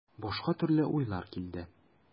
Башка төрле уйлар килде.